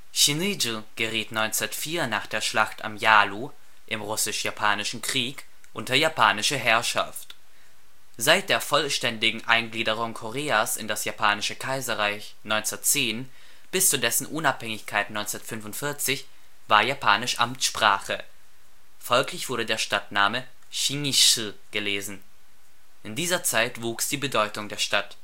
Sinŭiju geriet 1904 nach der Schlacht am Yalu im Russisch-Japanischen Krieg unter japanische Herrschaft. Seit der vollständigen Eingliederung Koreas in das Japanische Kaiserreich 1910 bis zu dessen Unabhängigkeit 1945 war Japanisch Amtssprache. Folglich wurde der Stadtname Shingishū (新義州) gelesen. In dieser Zeit wuchs die Bedeutung der Stadt